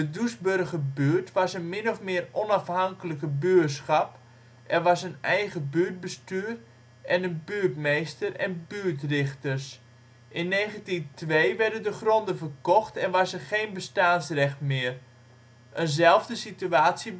Doesburgerbuurt was een min of meer onafhankelijke buurschap. Er was een eigen buurtbestuur met een buurtmeester en buurtrichters. in 1902 werden de gronden verkocht en was er geen bestaansrecht meer. Eenzelfde situatie